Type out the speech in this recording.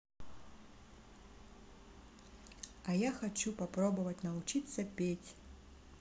а я хочу попробовать научиться петь